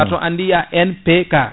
bato en liant MPK